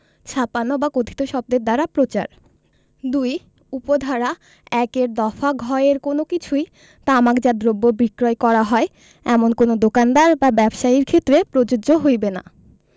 ছাপানো বা কথিত শব্দের দ্বারা প্রচার ২ উপ ধারা ১ এর দফা ঘ এর কোন কিছুই তামাকজাত দ্রব্য বিক্রয় করা হয় এমন কোন দোকানদার বা ব্যবসায়ীর ক্ষেত্রে প্রযোজ্য হইবে না